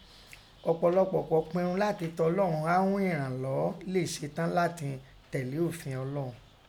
Opolopo ko pinrun lati tọ Ọlọun á ún ẹ̀ranlọ́ọ́, léè setán latin tẹ̀lé ofi Ọlọun.